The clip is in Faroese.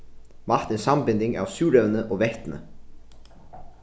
vatn er sambinding av súrevni og vetni